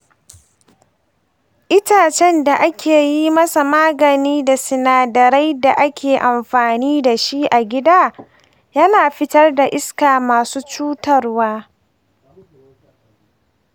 itacen da aka yi masa magani da sinadarai da ake amfani da shi a gida yana fitar da iska masu cutarwa.